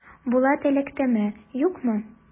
Булат эләктеме, юкмы?